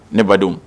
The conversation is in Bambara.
Ne badenw